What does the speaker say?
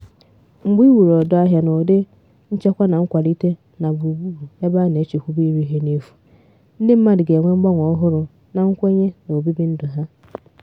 Mgbe i wuru ọdọahịa n'ụdị nchekwa na nkwalite na gburugburu ebe a na-echekwube iri ihe n'efu, ndị mmadụ ga-enwe mgbanwe ohụrụ na nkwenye na obibi ndụ ha.